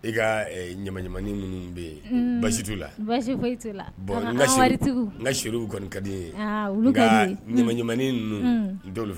E ka ɲamaninin minnu bɛ yen basi tu la basi bɔn n n ka siriw kɔni kadi ye ka ɲamaninin ninnu dɔw fɛ